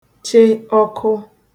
che ọkụ